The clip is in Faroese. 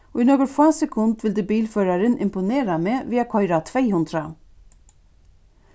í nøkur fá sekund vildi bilførarin imponera meg við at koyra tvey hundrað